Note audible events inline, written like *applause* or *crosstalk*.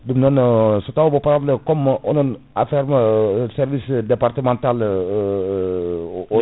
ɗum noon *hesitation* so taw bo pa* comme onoon affaire *hesitation* service départemental *hesitation*